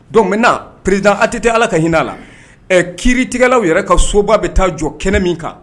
Don minna na prid a tɛ tɛ ala ka hinɛ a la ɛ ki tigɛlaw yɛrɛ ka soba bɛ taa jɔ kɛnɛ min kan